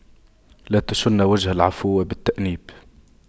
لا تشن وجه العفو بالتأنيب